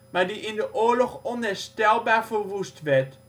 maar die in de oorlog onherstelbaar verwoest werd